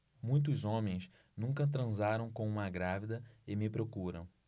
muitos homens nunca transaram com uma grávida e me procuram